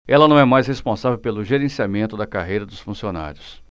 ela não é mais responsável pelo gerenciamento da carreira dos funcionários